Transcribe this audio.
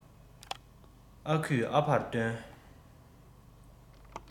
ཨ ཁུས ཨ ཕར སྟོན